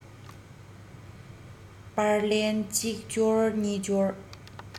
པར ལན གཅིག འབྱོར གཉིས འབྱོར